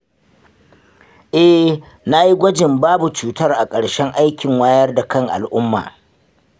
eh, nayi gwajin babu cutar a karshen aikin wayar da kan al'umma.